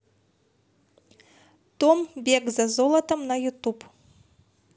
том бег за золотом на ютуб